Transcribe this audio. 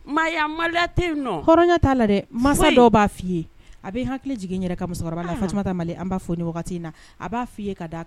Maaya maloya tɛ yenninɔ. Hɔrɔnya t'a la dɛ. Fosi. Mansa dɔw b'a f'i ye, a bɛ n hakili jigin n yɛrɛ ka musokɔrɔba la, Fatumata Male an b'a fo ni wagati in na, a b'a f'i ye ka d'a kan